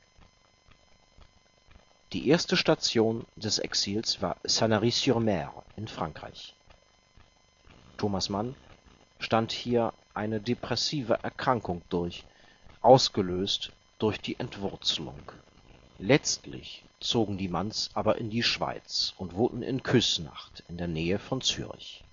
Die erste Station des Exils war Sanary-sur-Mer in Frankreich. Thomas Mann stand hier eine depressive Erkrankung durch, ausgelöst durch die Entwurzlung. Letztlich zogen die Manns aber in die Schweiz und wohnten in Küsnacht in der Nähe von Zürich